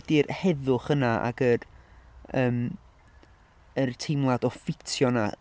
'di'r heddwch yna ac yr yym yr teimlad o ffitio yna.